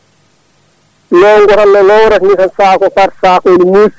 lowgo tan no lowrata ni tan sac o par sac ne muusi